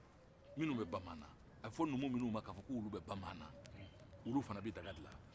minnu bɛ bamaanan a bɛ fɔ numu minnu man k'a fɔ k'o bɛ bamaanan olu fana bɛ daga dilan